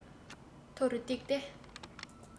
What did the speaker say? མཐོ རུ བཏེགས ཏེ